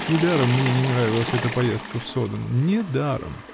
Недаром мне не нравилась эта поездка в Соден. недаром!